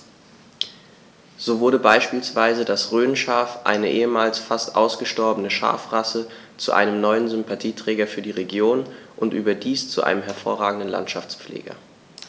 So wurde beispielsweise das Rhönschaf, eine ehemals fast ausgestorbene Schafrasse, zu einem neuen Sympathieträger für die Region – und überdies zu einem hervorragenden Landschaftspfleger.